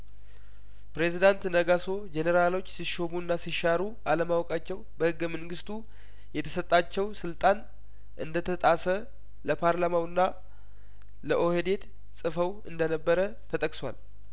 ፕሬዝዳንት ነጋሶ ጄኔራሎች ሲሾሙና ሲሻሩ አለማወቃቸው በህገ መንግስቱ የተሰጣቸው ስልጣን እንደተጣሰ ለፓርላማውና ለኦህዴድ ጽፈው እንደነበረ ተጠቅሷል